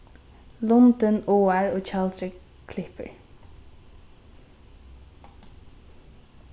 lundin áar og tjaldrið klippir